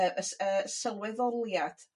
yy y s- yy sylweddoliad